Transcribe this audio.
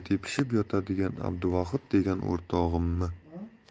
tepishib yotadigan abduvohid degan o'rtog'immi